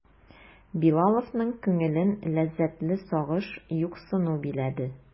Билаловның күңелен ләззәтле сагыш, юксыну биләде.